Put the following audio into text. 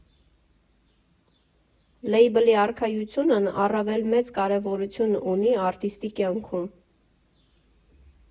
Լեյբլի առկայությունն առավել մեծ կարևորություն ունի արտիստի կյանքում։